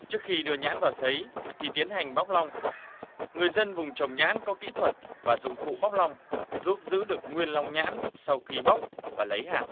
trước khi đưa nhãn vào sấy thì tiến hành bóc long người dân vùng trồng nhãn có kỹ thuật và dụng cụ bóc long giúp giữ được nguyên long nhãn sau khi bóc và lấy hạt